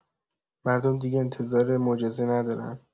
مردم دیگه انتظار معجزه ندارن.